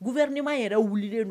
Gouvernement wɛrɛ wulilen